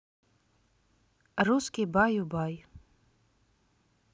русский баю бай